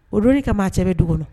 O donnin kama maa cɛ du kɔnɔ